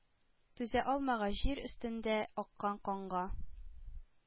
Түзә алмагач җир өстендә аккан канга,